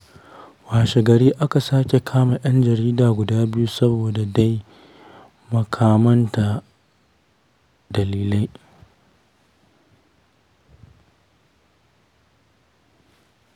Washe-gari aka sake kama 'yan jarida guda biyu saboda dai makamantan dalilai.